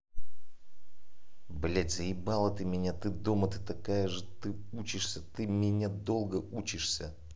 блять заебала ты меня ты дома такая же ты учишься ты меня долго учишься